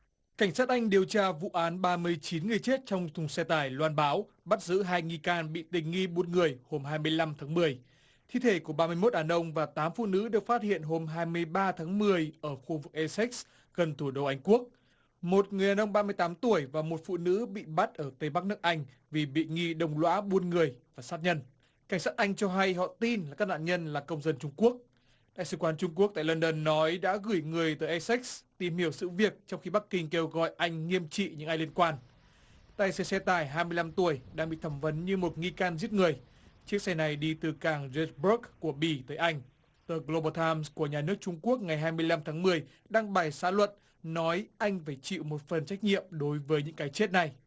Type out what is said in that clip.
cảnh sát anh điều tra vụ án ba mươi chín người chết trong thùng xe tải loan báo bắt giữ hai nghi can bị tình nghi buôn người hôm hai mươi lăm tháng mười thi thể của ba mươi mốt đàn ông và tám phụ nữ được phát hiện hôm hai mươi ba tháng mười ở khu vực e sếch gần thủ đô anh quốc một người đàn ông ba mươi tám tuổi và một phụ nữ bị bắt ở tây bắc nước anh vì bị nghi đồng lõa buôn người và sát nhân cảnh sát anh cho hay họ tin là các nạn nhân là công dân trung quốc đại sứ quán trung quốc tại lân đân nói đã gửi người tới e sếch tìm hiểu sự việc trong khi bắc kinh kêu gọi anh nghiêm trị những ai liên quan tài xế xe tải hai mươi lăm tuổi đang bị thẩm vấn như một nghi can giết người chiếc xe này đi từ cảng giê bốc của bỉ tới anh tờ gờ lô bồ tham của nhà nước trung quốc ngày hai mươi lăm tháng mười đăng bài xã luận nói anh phải chịu một phần trách nhiệm đối với những cái chết này